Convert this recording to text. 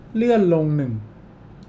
เลื่อนลงหนึ่ง